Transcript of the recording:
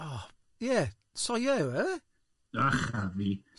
O, ie, soia yw e. Ach a fi.